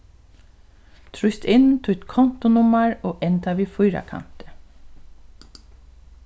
trýst inn títt kontunummar og enda við fýrakanti